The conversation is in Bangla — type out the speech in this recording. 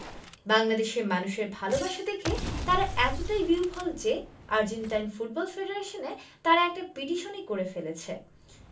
বাংলাদেশের মানুষের ভালোবাসা দেখে তারা এতটাই বিহ্বল যে আর্জেন্টাইন ফুটবল ফেডারেশনে তারা একটা পিটিশনই করে ফেলেছে